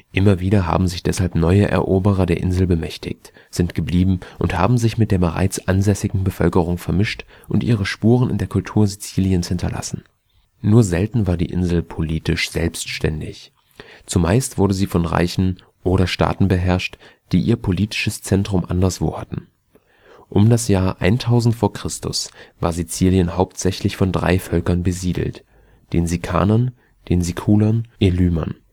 Immer wieder haben sich deshalb neue Eroberer der Insel bemächtigt, sind geblieben und haben sich mit der bereits ansässigen Bevölkerung vermischt und ihre Spuren in der Kultur Siziliens hinterlassen. Nur selten war die Insel politisch selbständig, zumeist wurde sie von Reichen oder Staaten beherrscht, die ihr politisches Zentrum anderswo hatten. Concordiatempel in Agrigent Um das Jahr 1000 v. Chr. war Sizilien hauptsächlich von drei Völkern besiedelt, den Sikanern, den Sikulern und den Elymern